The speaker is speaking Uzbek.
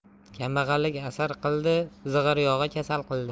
kambag'allik asar qildi zig'ir yog'i kasal qildi